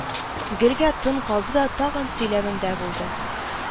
Гелгә тын калды да тагын сөйләвендә булды: